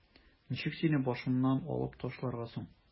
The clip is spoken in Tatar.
Ничек сине башымнан алып ташларга соң?